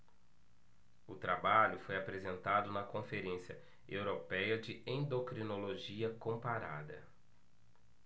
o trabalho foi apresentado na conferência européia de endocrinologia comparada